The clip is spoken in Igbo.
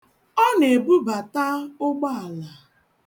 Ọ na-ebubata ụgbọala.